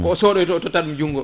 o soɗoyto o totat ɗum junggo